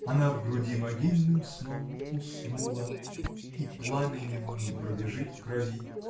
Она в груди могильным сном уснула И пламенем не пробежит в крови!